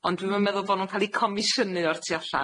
ond dwi'm yn meddwl bo' nw'n ca'l 'u comisiynu o'r tu allan.